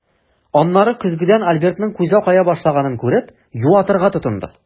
Аннары көзгедән Альбертның күзе акая башлаганын күреп, юатырга тотынды.